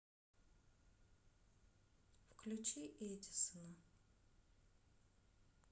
включи эдиссона